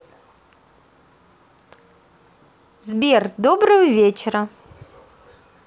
сбер доброго вечера